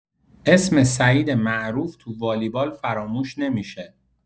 اسم سعید معروف تو والیبال فراموش نمی‌شه.